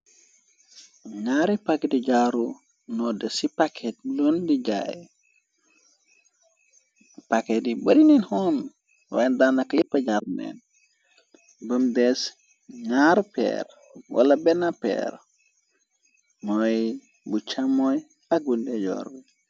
Naari pagg di jaaru noo def ci paket loon di jaay. Paket yi bari neen home waaye daana ka yippa jarr neen bam des ñaar peer, wala benn peer mooy bu chàmoñ ak ndejor bi.